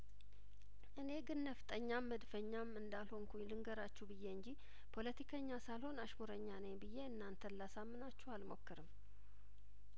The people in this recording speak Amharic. እኔ ግን ነፍጠኛም መድፈኛም እንዳልሆኩኝ ልንገራችሁ ብዬ እንጂ ፖለቲከኛ ሳልሆን አሽሙረኛ ነኝ ብዬ እናንተን ላሳምናችሁ አልሞክርም